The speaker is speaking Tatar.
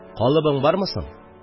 Калыбың бармы соң?